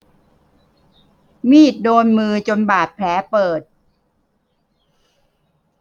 มีดโดนมือจนบาดแผลเปิด